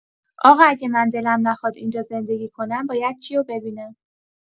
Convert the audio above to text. آقا اگه من دلم نخواد اینجا زندگی کنم باید کیو ببینم.